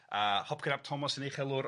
a Hopcyn ap Tomas yn uchelwr.